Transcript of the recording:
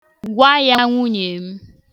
Gwa ya nwunye m.